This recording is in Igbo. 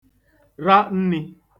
ra nnī